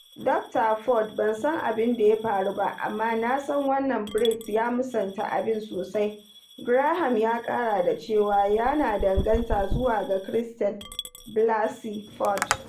"Dokta Ford, ban san abin da ya faru ba, amma na san wannan: Brett ya musanta abin sosai," Graham ya ƙara da cewa, yana dangantawa zuwa ga Christine Blasey Ford.